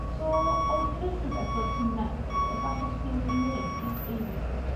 so oedd hynne rhywbeth rode ti'n meddwl y base ti'n i neud erioyd?